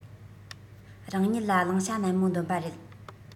རང ཉིད ལ བླང བྱ ནན མོ འདོན པ རེད